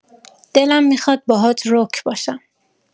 دلم می‌خواد باهات رک باشم